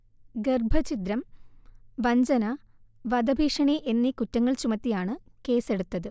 ഗർഭഛിദ്രം, വഞ്ചന, വധഭീഷണി എന്നീ കുറ്റങ്ങൾ ചുമത്തിയാണ് കേസെടുത്തത്